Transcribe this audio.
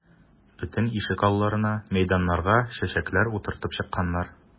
Бөтен ишек алларына, мәйданнарга чәчәкләр утыртып чыкканнар.